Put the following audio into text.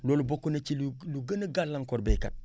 loolu bokk na ci lu lu gënn a gàllankoor baykat